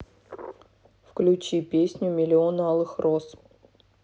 включи песню миллион алых роз